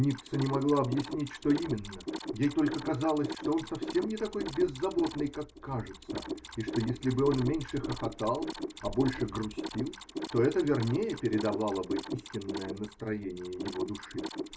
Ницца не могла объяснить, что именно: ей только казалось, что он совсем не такой беззаботный, как кажется, и что если бы он меньше хохотал, а больше грустил, то это вернее передавало бы истинное настроение его души.